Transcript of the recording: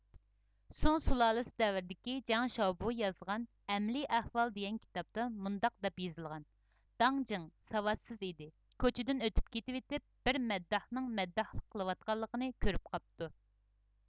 سۇڭ سۇلالىسى دەۋرىدىكى جاڭ شياۋبۇ يازغان ئەمەلىي ئەھۋال دېگەن كىتابتا مۇنداق دەپ يېزىلغان داڭ جىڭ ساۋاتسىز ئىدى كوچىدىن ئۆتۈپ كېتىۋېتىپ بىر مەدداھنىڭ مەدداھلىق قىلىۋاتقانلىقىنى كۆرۈپ قاپتۇ